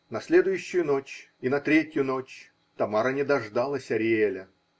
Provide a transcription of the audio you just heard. *** И на следующую ночь, и на третью ночь Тамара не дождалась Ариэля.